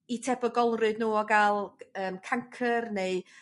'u tebygolrwydd nhw o ga'l c- yym cancr neu